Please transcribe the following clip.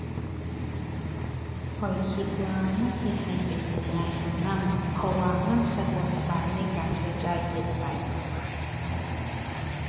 ข้อยคิดว่ามันเฮ็ดให้เป็นหนี้ง่ายขึ้นนำ เพราะว่ามันสะดวกสบายในการใช้จ่ายเกินไป